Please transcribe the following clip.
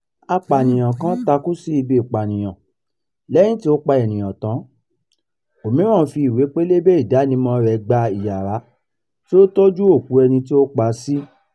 Apànìyàn kan takú sí ibi ìpànìyàn lẹ́yìn tí ó pa ènìyàn tán; òmíràn fi ìwé pẹlẹbẹ ìdánimọ̀ọ rẹ̀ gba iyàrá tí ó tọ́jú òkú ẹni tí ó pa sí.